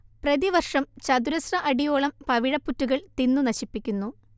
പ്രതിവർഷം ചതുരശ്ര അടിയോളം പവിഴപ്പുറ്റുകൾ തിന്നു നശിപ്പിക്കുന്നു